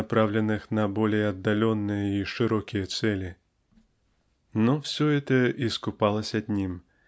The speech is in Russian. направленных на более отдаленные и широкие . цели. Но все это искупалось одним